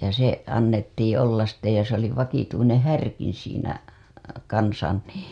ja se annettiin olla sitten ja se oli vakituinen härkin siinä kanssa niin